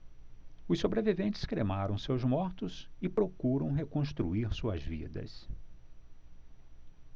os sobreviventes cremaram seus mortos e procuram reconstruir suas vidas